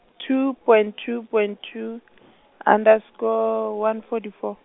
two, point two, point two, underscore, one forty four.